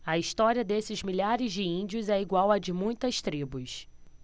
a história desses milhares de índios é igual à de muitas tribos